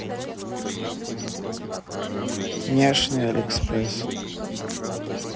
няшный алиэкспресс